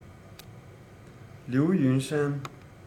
ལིའུ ཡུན ཧྲན